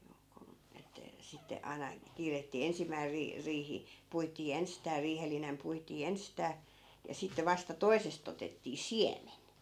juu kun että sitten aina kiirettiin ensimmäisenä - riihi puitiin ensistään riihellinen puitiin ensistään ja sitten vasta toisesta otettiin siemen